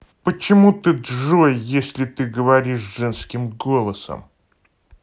почему ты джой если ты говоришь женским голосом